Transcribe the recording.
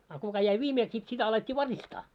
a kuka jäi viimeksi sitten sitä alettiin varistaa